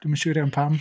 Dwi'm yn siŵr iawn pam.